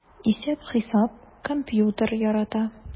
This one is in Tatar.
Исәп-хисап, компьютер ярата...